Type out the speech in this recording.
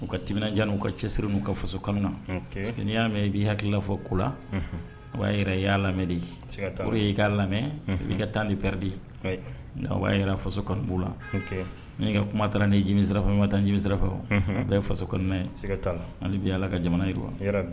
U ka ti jan ka cɛsirir ka faso kanu na n'i y'a mɛn i' hakilila fɔ kola o b'a i y'a lamɛn de i k'a lamɛn i' ka taalipɛdi'a yɛrɛ faso kanu la n ka kuma taara n' jimi sirafɛ n ma taa jimi sira fɛ bɛɛ ye faso kɔnɔn ye ala ka jamana